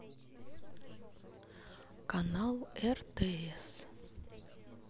канал ртс